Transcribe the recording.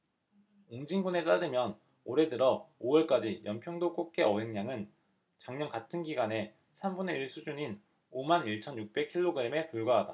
옹진군에 따르면 올해 들어 오 월까지 연평도 꽃게 어획량은 작년 같은 기간의 삼 분의 일 수준인 오 만 일 천 육백 킬로그램에 불과하다